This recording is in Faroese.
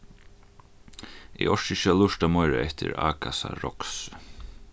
eg orki ikki at lurta meira eftir ákasa roksi